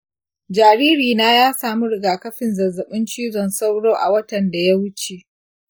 jariri na ya samu rigakafin zazzaɓin cizon sauro a watan da ya wuce.